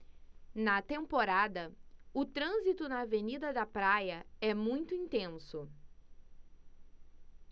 na temporada o trânsito na avenida da praia é muito intenso